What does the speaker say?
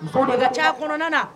Kɔnɔgaca kɔnɔna na